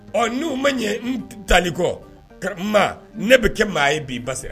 Ɔ n'u ma ɲɛ n tali kɔ ma ne bɛ kɛ maa ye bi basa